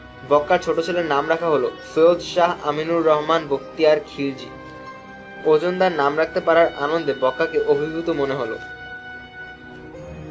বক্কার ছোট ছেলের নাম রাখা হল সৈয়দ শাহ আমিনুর রহমান বখতিয়ার খিলজি ওজনদার নাম রাখতে পারার আনন্দে বক্কাকে অভিভূত মনে হল